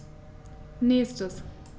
Nächstes.